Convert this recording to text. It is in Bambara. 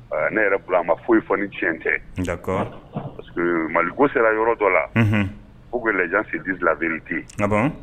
Ne yɛrɛ p a ma foyi fɔ ni cɛn tɛseke maligo sera yɔrɔ dɔ la u bɛ lajɛsi di la tɛ